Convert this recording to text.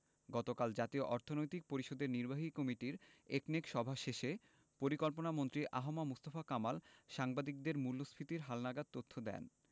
গতকাল জাতীয় অর্থনৈতিক পরিষদের নির্বাহী কমিটির একনেক সভা শেষে পরিকল্পনামন্ত্রী আ হ ম মুস্তফা কামাল সাংবাদিকদের মূল্যস্ফীতির হালনাগাদ তথ্য দেন